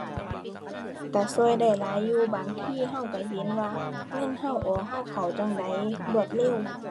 ก็ก็ได้หลายอยู่ บางทีก็ก็เห็นว่า เงินก็ออกก็เข้าจั่งใด รวดเร็ว